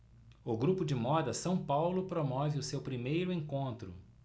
o grupo de moda são paulo promove o seu primeiro encontro